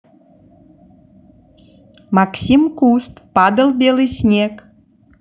максим куст падал белый снег